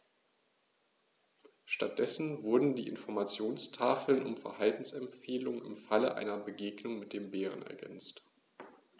Stattdessen wurden die Informationstafeln um Verhaltensempfehlungen im Falle einer Begegnung mit dem Bären ergänzt.